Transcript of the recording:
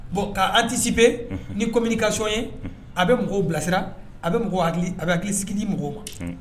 Bon ka anticipé ni communication ye a bɛ mɔgɔw bilasira a bɛ hakili sigi di mɔgɔw man